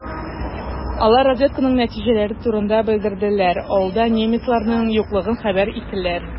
Алар разведканың нәтиҗәләре турында белдерделәр, авылда немецларның юклыгын хәбәр иттеләр.